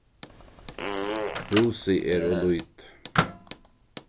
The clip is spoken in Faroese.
húsið er ov lítið